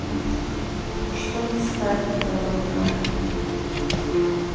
что не ставит заводная